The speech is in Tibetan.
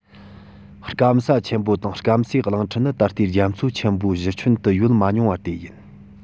སྐམ ས ཆེན པོ དང སྐམ སའི གླིང ཕྲན ནི ད ལྟའི རྒྱ མཚོ ཆེན པོའི གཞི ཁྱོན དུ ཡོད མ མྱོང བ དེ ཡིན